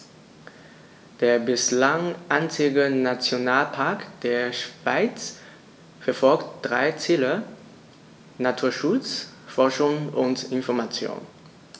Der bislang einzige Nationalpark der Schweiz verfolgt drei Ziele: Naturschutz, Forschung und Information.